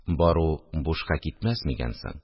Бару бушка китмәсме икән соң